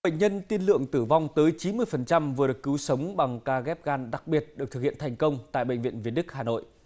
bệnh nhân tiên lượng tử vong tới chín mươi phần trăm vừa được cứu sống bằng ca ghép gan đặc biệt được thực hiện thành công tại bệnh viện việt đức hà nội